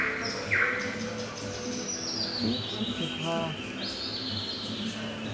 фиксики два